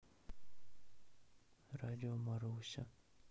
радио маруся